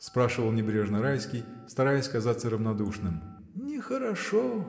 — спрашивал небрежно Райский, стараясь казаться равнодушным. — Нехорошо!